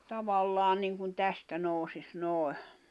tavallaan niin kuin tästä nousisi noin